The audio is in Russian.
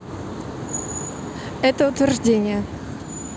это утверждение